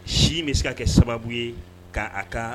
Si in bi se ka kɛ sababu ye ka a ka